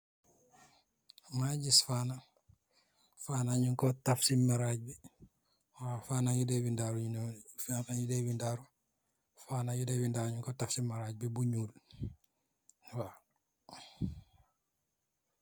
Ma giss fana, fana nyug ko taf si marach bi. Waaw, fana yude wendalu, fana yude wendalu, fana yude wendalu, nyug ko taf si marach bi bu nyul.